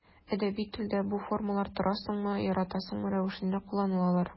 Әдәби телдә бу формалар торасыңмы, яратасыңмы рәвешендә кулланылалар.